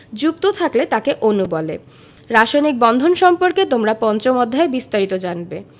যুক্ত থাকলে তাকে অণু বলে রাসায়নিক বন্ধন সম্পর্কে তোমরা পঞ্চম অধ্যায়ে বিস্তারিত জানবে